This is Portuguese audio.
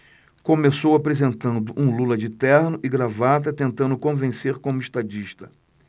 começou apresentando um lula de terno e gravata tentando convencer como estadista